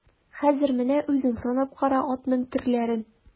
Хәзер менә үзең санап кара атның төрләрен.